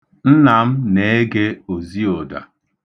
Nna m na-ege oziụda.